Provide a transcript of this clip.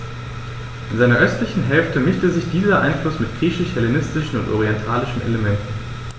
In seiner östlichen Hälfte mischte sich dieser Einfluss mit griechisch-hellenistischen und orientalischen Elementen.